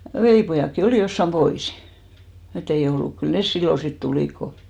velipojatkin oli jossakin poissa että ei ollut kyllä ne silloin sitten tulivat kun